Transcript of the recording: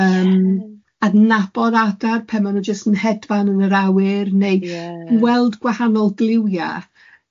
yym adnabod adar pan o'n nhw jyst yn hedfan yn yr awyr neu... Ia. ...gweld gwahanol gliwia.